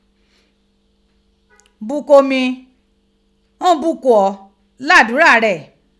Bù ko mi, ń bù ko ọ ní àdúrà rẹ.